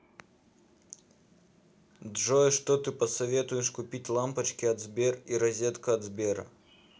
джой что ты посоветуешь купить лампочки от сбер и розетка от сбера